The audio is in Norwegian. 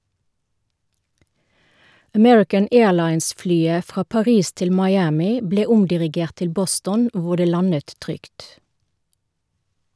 American Airlines-flyet fra Paris til Miami ble omdirigert til Boston hvor det landet trygt.